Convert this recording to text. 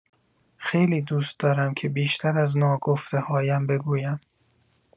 خیلی دوست دارم که بیشتر از ناگفته‌هایم بگویم.